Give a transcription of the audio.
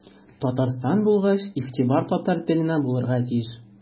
Татарстан булгач игътибар татар теленә булырга тиеш.